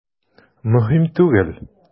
Мөһим түгел.